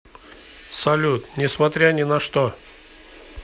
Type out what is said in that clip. салют несмотря ни на что